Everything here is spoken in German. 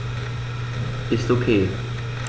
Ist OK.